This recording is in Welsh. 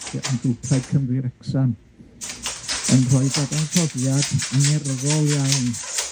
###ie yn grŵp Plaid Cymru Wrecsam yn rhoi dadansoddiad angerddol iawn